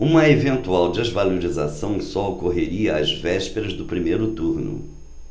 uma eventual desvalorização só ocorreria às vésperas do primeiro turno